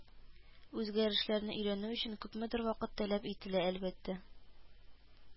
Үзгәрешләрне өйрәнү өчен күпмедер вакыт таләп ителә, әлбәттә